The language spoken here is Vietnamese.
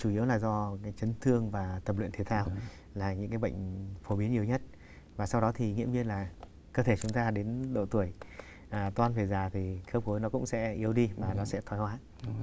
chủ yếu là do chấn thương và tập luyện thể thao là những cái bệnh phổ biến nhiều nhất và sau đó thì nghiễm nhiên là cơ thể chúng ta đến độ tuổi toan phải già thì khớp gối cũng sẽ yếu đi mà nó sẽ thoái hóa